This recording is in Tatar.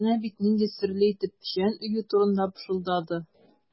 Әнә бит нинди серле итеп печән өю турында пышылдады.